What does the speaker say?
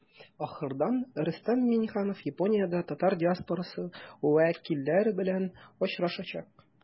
Ахырдан Рөстәм Миңнеханов Япониядә татар диаспорасы вәкилләре белән очрашачак.